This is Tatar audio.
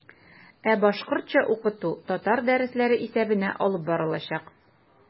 Ә башкортча укыту татар дәресләре исәбенә алып барылачак.